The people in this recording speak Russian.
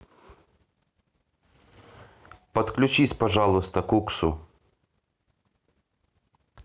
подключись пожалуйста куксу